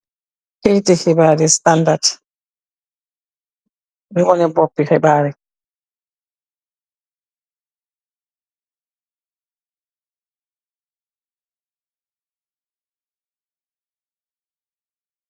Keiti khibarr the standard, dii wohneh bopi khibarr yii.